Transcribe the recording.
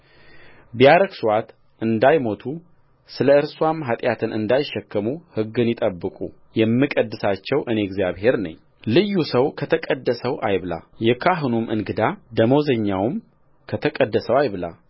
ቢያረክሱአት እንዳይሞቱ ስለ እርስዋም ኃጢአትን እንዳይሸከሙ ሕግን ይጠብቁ የምቀድሳቸው እኔ እግዚአብሔር ነኝልዩ ሰው ከተቀደሰው አይብላ የካህኑም እንግዳ ደመወዘኛውም ከተቀደሰው አይብላ